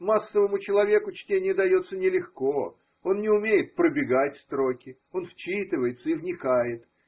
Массовому человеку чтение дается нелегко: он не умеет пробегать строки, он вчитывается и вникает.